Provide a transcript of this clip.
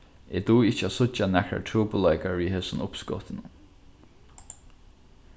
eg dugi ikki at síggja nakrar trupulleikar við hesum uppskotinum